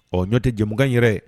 Ɔ ɲɔo tɛ jamukan yɛrɛ